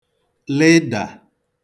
lịda